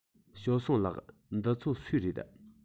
ཞའོ སུང ལགས འདི ཚོ སུའི རེད